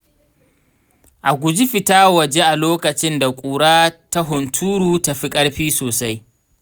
a guji fita waje a lokacin da ƙura ta hunturu ta fi ƙarfi sosai.